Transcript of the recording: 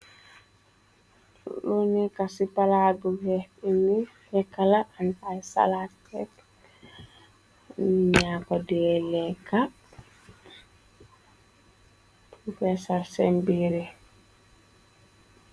Lu nekka ci palaat bu weex nii lekkala ak at salat niña ko dee lekka fesal sen biré.